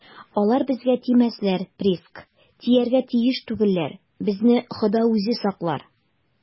- алар безгә тимәсләр, приск, тияргә тиеш түгелләр, безне хода үзе саклар.